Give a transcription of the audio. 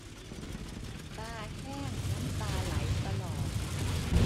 ตาแห้งน้ำตาไหลตลอด